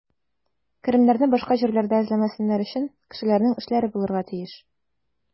Керемнәрне башка җирләрдә эзләмәсеннәр өчен, кешеләрнең эшләре булырга тиеш.